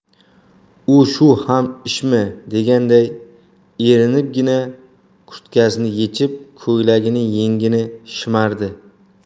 u shu ham ishmi deganday erinibgina kurtkasini yechib ko'ylagining yengini shimardi